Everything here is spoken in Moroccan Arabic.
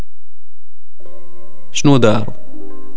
انشوده